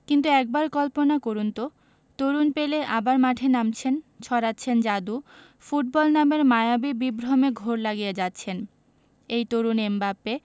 কিন্তু একবার কল্পনা করুন তো তরুণ পেলে আবার মাঠে নামছেন ছড়াচ্ছেন জাদু ফুটবল নামের মায়াবী বিভ্রমে ঘোর লাগিয়ে যাচ্ছেন এই তরুণ এমবাপ্পে